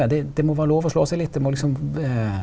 det det må vera lov å slå seg litt det må liksom .